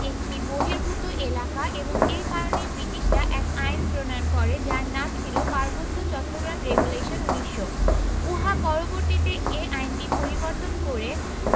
একটি বহির্ভূত এলাকা এবং এ কারণেই বৃটিশরা এক আইন প্রণয়ন করে যার নাম ছিল পার্বত্য চট্টগ্রাম রেগুলেশন ১৯০০ উহা পরবর্তীতে ঐ আইনটি পরিবর্তন করে